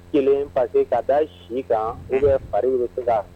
Kelen fa se k kaa da si kan u bɛ faririn